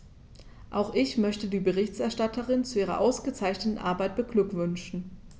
Auch ich möchte die Berichterstatterin zu ihrer ausgezeichneten Arbeit beglückwünschen.